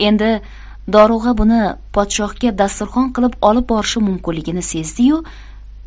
endi dorug'a buni podshohga dasturxon qilib olib borishi mumkiligini sezdi yu